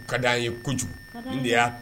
Ka di an ye kojugu n de